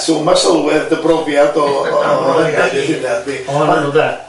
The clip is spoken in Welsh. So ma' sylwedd dy brofiad o o...